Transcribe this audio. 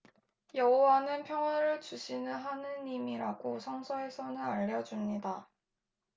여호와는 평화를 주시는 하느님이라고 성서에서는 알려 줍니다